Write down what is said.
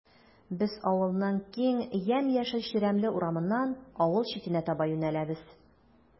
Без авылның киң, ямь-яшел чирәмле урамыннан авыл читенә таба юнәләбез.